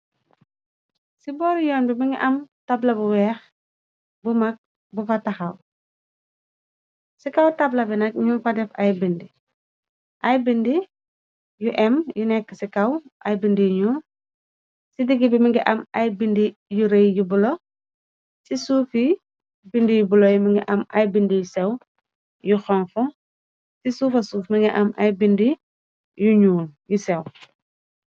Ci boori yoon bi mi ngi am tabla bu weex bu mag bu fa taxaw ci kaw tabla bi nag ñun fa def ay bindi ay bind yu m yu nekk ci kaw ay bindi yinu ci digg bi mi ngi am ay bindi yu rëy yu bulo ci suufi bind yu bulo y mi ngi am ay bindi yu sew yu xonku ci suufa suuf mi ngi am ay bindi ñyuul yu sew.